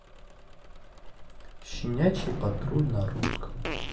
щенячий патруль на русском